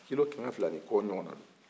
kilo kɛmɛ fila ni kɔ ɲɔgɔnna don